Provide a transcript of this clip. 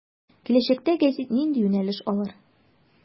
Киләчәктә гәзит нинди юнәлеш алыр.